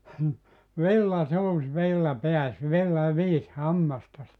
villa suusi villa pääsi villa viisi hammastasi